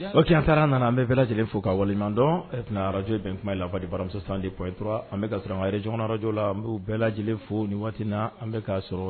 Ok an taara an nana an bɛ bɛɛ lajɛlen fo k'a waleɲumandɔn ɛɛ arajo bɛn kuma la voix de baramuso 32.3 an bɛ ka sɔrɔ an région kɔnɔ arajow la an b'u bɛɛ lajɛlen fo ni waati in na an bɛ ka sɔrɔ